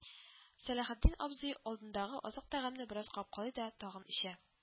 Сәләхетдин абзый алдындагы азык-тәгамне бераз капкалый да тагы эчә